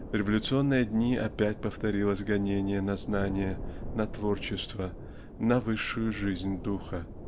В революционные дни опять повторилось гонение на знание на творчество на высшую жизнь духа.